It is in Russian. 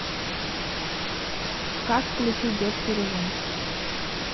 как включить детский режим